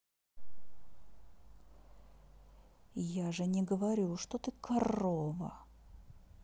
я же не говорю что ты корова